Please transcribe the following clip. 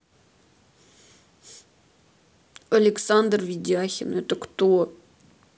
александр ведяхин это кто